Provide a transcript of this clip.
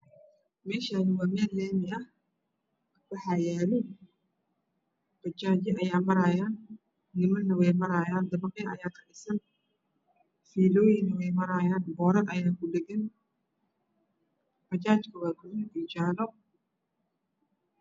Meeshaan waa meel laami ah bajaajyo ayaa maraayo nimana way maraayaan dabaqyo ayaa kadhisan fiilooyin ayaa maraayo boorarna way kudhagan yihiin bajaaj ka waa gaduud iyo jaalo.